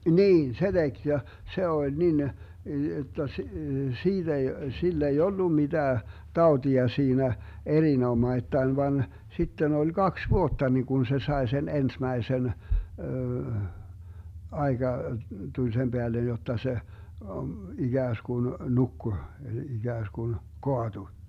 niin se teki ja se oli niin jotta - siitä ei sillä ei ollut mitään tautia siinä erinomattain vaan sitten oli kaksi vuotta niin kun se sai sen ensimmäisen aika tuli sen päälle jotta se ikään kuin nukkui ikään kuin kaatui